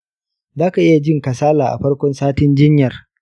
za ka iya ji kasala a farkon satin jinyar.